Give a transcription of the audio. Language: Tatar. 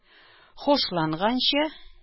Хушланганчы